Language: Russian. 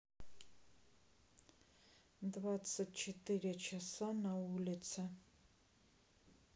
двадцать четыре часа на улице